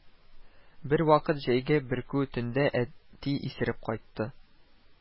Бервакыт җәйге бөркү төндә әти исереп кайтты